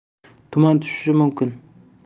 tuman tushishi mumkin